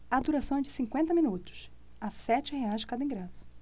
a duração é de cinquenta minutos a sete reais cada ingresso